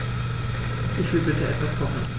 Ich will bitte etwas kochen.